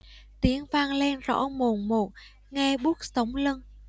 tiếng vang lên rõ mồn một nghe buốt sống lưng